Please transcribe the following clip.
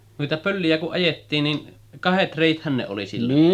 noita pölliä kun ajettiin niin kahdet reethän ne oli silloin